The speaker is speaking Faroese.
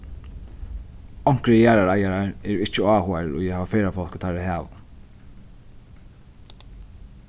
onkrir jarðareigarar eru ikki áhugaðir í at hava ferðafólk í teirra hagum